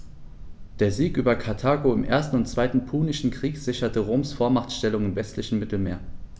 Der Sieg über Karthago im 1. und 2. Punischen Krieg sicherte Roms Vormachtstellung im westlichen Mittelmeer.